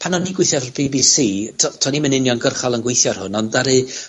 pan o'n i'n gweithio ar y Bee Bee See, t'o' to'n 'im yn uniongyrchol yn gweithio ar hwn, ond daru